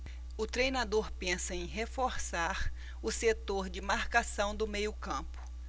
o treinador pensa em reforçar o setor de marcação do meio campo